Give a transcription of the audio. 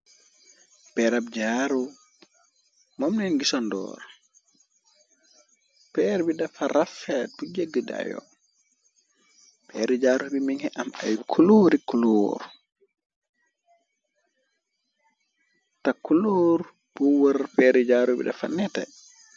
Peeran jaaru, moomleen ngiso ndoor, peer bi dafa rafeetu jëgg dayo, peeri jaaru bi mi nga am ay kulóori kulóor, te kulóor bu wër peeri jaaru bi dafa nete.